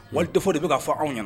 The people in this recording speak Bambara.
Wari tɛ fɔ de bɛ ka fɔ anw ɲɛ